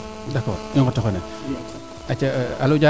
D' accord i ngoto xene alo Diarekh Fm